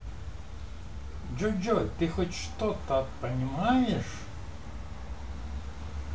джой джой ты хоть что то понимаешь